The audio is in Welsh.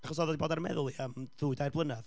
achos oedd o 'di bod ar 'y meddwl i am ddwy, dair blynedd.